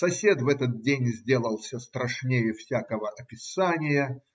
Сосед в этот день сделался страшнее всякого описания.